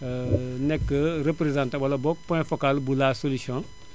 nekk representant wala book point focal bu la solution